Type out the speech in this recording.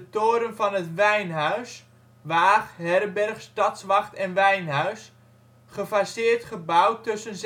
toren van het Wijnhuis (waag, herberg, stadswacht en wijnhuis), gefaseerd gebouwd tussen